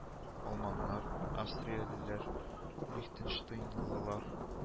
Алманнар, австриялеләр, лихтенштейнлылар